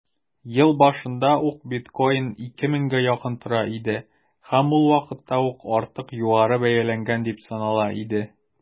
Ел башында ук биткоин 2 меңгә якын тора иде һәм ул вакытта ук артык югары бәяләнгән дип санала иде.